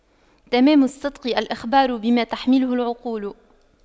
تمام الصدق الإخبار بما تحمله العقول